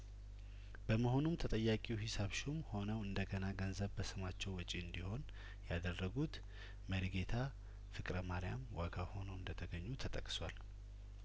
በመሆኑም ተጠያቂው ሂሳብ ሹም ሆነው እንደገና ገንዘብ በስማቸው ወጪ እንዲሆን ያደረጉት መሪጌታ ፍቅረማርያም ዋጋው ሆነው እንደተገኙ ተጠቅሷል